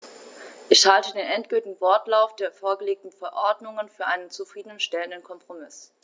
Ich halte den endgültigen Wortlaut der vorgelegten Verordnung für einen zufrieden stellenden Kompromiss.